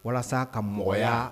Walasa ka mɔgɔya